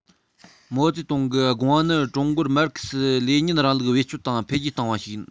མའོ ཙེ ཏུང གི དགོངས པ ནི ཀྲུང གོར མར ཁེ སི ལེ ཉིན རིང ལུགས བེད སྤྱོད དང འཕེལ རྒྱས བཏང བ ཞིག ཡིན